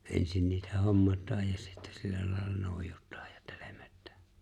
ensin niitä hommataan ja sitten sillä lailla noidutaan ja telmitään